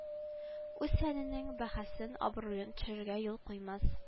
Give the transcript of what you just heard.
Үз фәненең бәһасен абруен төшерүгә юл куймас